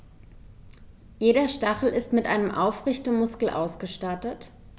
Jeder Stachel ist mit einem Aufrichtemuskel ausgestattet.